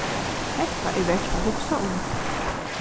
hetta er vert at hugsa um